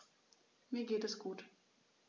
Mir geht es gut.